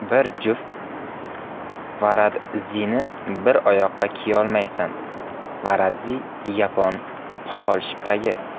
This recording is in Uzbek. bir juft varadzini bir oyoqqa kiyolmaysan varadzi yapon poxol shippagi